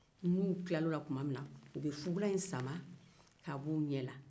ni u tila la o la tuma min na u bɛ fugulan in sama k'a bɔ u ɲɛ la